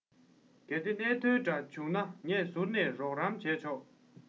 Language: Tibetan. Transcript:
གལ ཏེ གནད དོན འདྲ ཡོད ན ངས ཟུར ནས རོགས རམ བྱས ཆོག